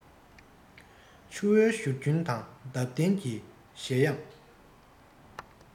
ཆུ བོའི བཞུར རྒྱུན དང འདབ ལྡན གྱི བཞད དབྱངས